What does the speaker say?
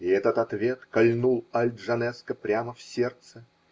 И этот ответ кольнул Аль-Джанеско прямо в сердце.